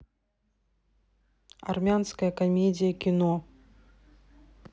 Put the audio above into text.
армянская комедия кино